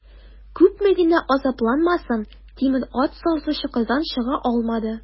Күпме генә азапланмасын, тимер ат сазлы чокырдан чыга алмады.